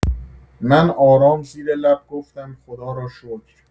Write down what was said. من آرام زیر لب گفتم خدا را شکر.